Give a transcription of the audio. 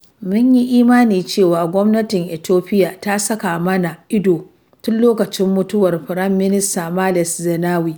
Mun yi imanin cewa, gwamnatin Ethiopia ta saka mana ido tun lokacin mutuwar Firaminista Males Zenawi.